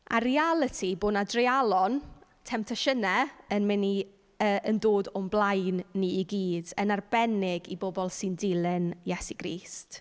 A'r realiti bod 'na dreialon, temptasiynau, yn mynd i... yy yn dod o'n blaen ni i gyd, yn arbennig i bobl sy'n dilyn Iesu Grist.